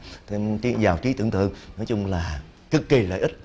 thêm cái giàu trí tưởng tượng nói chung là cực kì lợi ích